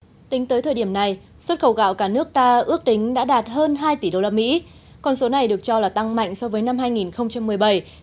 tính tới thời điểm này xuất khẩu gạo cả nước ta ước tính đã đạt hơn hai tỷ đô la mỹ con số này được cho là tăng mạnh so với năm hai nghìn không trăm mười bảy